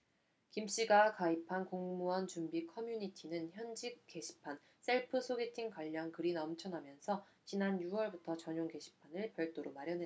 김씨가 가입한 공무원 준비 커뮤니티는 현직 게시판에 셀프 소개팅 관련 글이 넘쳐나면서 지난 유 월부터 전용 게시판을 별도로 마련했다